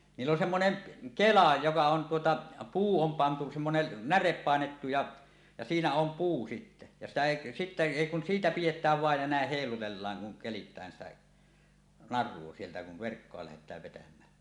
niillä on semmoinen kela joka on tuota puu on pantu semmoinen näre painettu ja ja siinä on puu sitten ja sitä ei sitten ei kun siitä pidetään vain ja näin heilutellaan kun keritään sitä narua sieltä kun verkkoa lähdetään vetämään